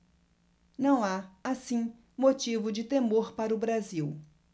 não há assim motivo de temor para o brasil